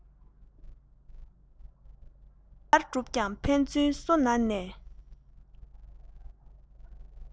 ཇི ལྟར བསྒྲུབས ཀྱང ཕན ཚུན སོ ན གནས